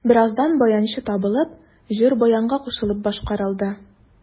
Бераздан баянчы табылып, җыр баянга кушылып башкарылды.